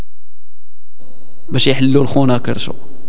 مش يحللون كلثوم